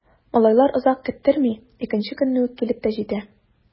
Малайлар озак көттерми— икенче көнне үк килеп тә җитә.